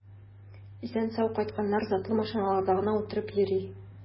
Исән-сау кайтканнар затлы машиналарда гына утырып йөри.